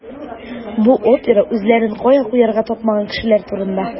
Бу опера үзләрен кая куярга тапмаган кешеләр турында.